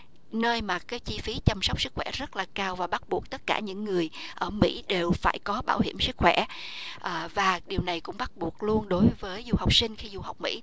nơi mà cái chi phí chăm sóc sức khỏe rất là cao và bắt buộc tất cả những người ở mỹ đều phải có bảo hiểm sức khỏe ờ và điều này cũng bắt buộc luôn đối với du học sinh khi du học mỹ